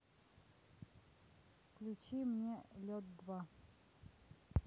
включи мне лед два